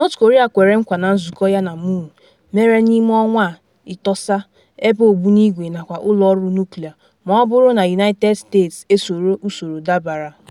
North Korea kwere nkwa na nzụkọ yana Moon mere n’ime ọnwa a ịtọsa ebe ogbunigwe nakwa ụlọ ọrụ nuklịa ma ọ bụrụ na United States esoro “usoro dabara.”